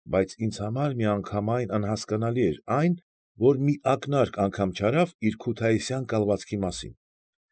Բայց ինձ համար միանգամայն անհասկանալի էր այն, որ մի ակնարկ անգամ չարավ իր քութայիսյան կալվածքի մասին։